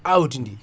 awdidi